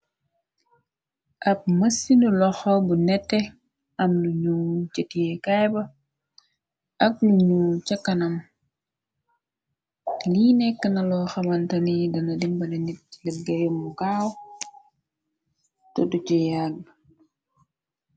Ab mëssinu loxo bu nette am nu ñu cëtyee kaayba ak lu ñu ca kanam li nekkna lo xabantaniyi dana dimbale nitt lëggéey mu kaaw tudtu ci yaggb.